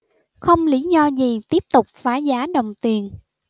không lý do gì tiếp tục phá giá đồng tiền